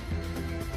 San